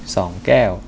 สองแก้ว